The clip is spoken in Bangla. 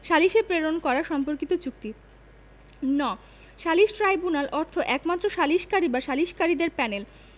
সালিসে প্রেরণ করা সম্পর্কিত চুক্তি ণ সালিসী ট্রাইব্যুনাল অর্থ একমাত্র সালিসকারী বা সালিসকারীদের প্যানেল